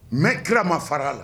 Mais kira ma far'a la.